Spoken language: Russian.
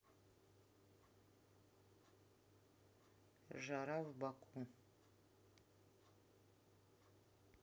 жара в баку